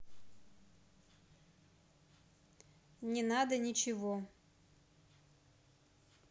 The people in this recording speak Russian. не надо ничего